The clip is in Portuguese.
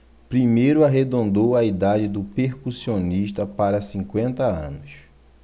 primeiro arredondou a idade do percussionista para cinquenta anos